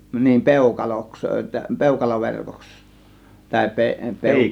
niin peukaloksi peukaloverkoksi tai --